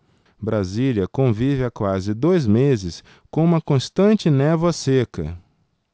brasília convive há quase dois meses com uma constante névoa seca